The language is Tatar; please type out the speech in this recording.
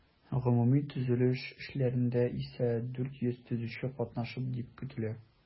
Гомуми төзелеш эшләрендә исә 400 төзүче катнашыр дип көтелә.